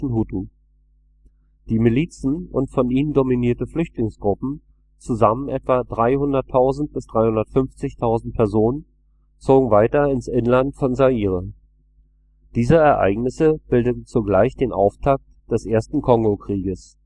Hutu. Die Milizen und von ihnen dominierte Flüchtlingsgruppen, zusammen etwa 300.000 bis 350.000 Personen, zogen weiter ins Inland von Zaire. Diese Ereignisse bildeten zugleich den Auftakt des ersten Kongokrieges